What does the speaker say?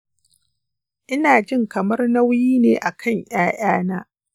ina jin kamar nauyi ne a kan ’ya’yana.